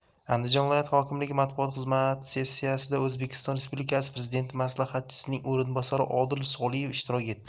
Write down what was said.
andijon viloyati hokimligi matbuot xizmatisessiyada o'zbekiston respublikasi prezidenti maslahatchisining o'rinbosari odil soliyev ishtirok etdi